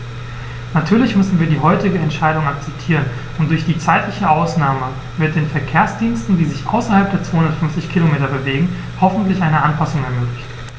Natürlich müssen wir die heutige Entscheidung akzeptieren, und durch die zeitliche Ausnahme wird den Verkehrsdiensten, die sich außerhalb der 250 Kilometer bewegen, hoffentlich eine Anpassung ermöglicht.